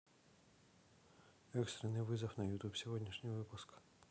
экстренный вызов на ютуб сегодняшний выпуск